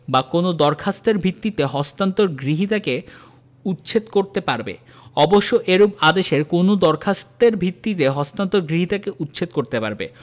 বা কোনও দরখাস্তের ভিত্তিতে হস্তান্তর গ্রহীতাকে উচ্ছেদ করতে পারবে অবশ্য এরূপ আদেশের কোনও দরখাস্তের ভিত্তিতে হস্তান্তর গ্রহীতাকে উচ্ছেদ করতে পারবে